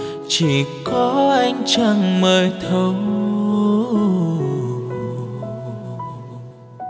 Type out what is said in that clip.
chỉ có ánh trăng mới thấu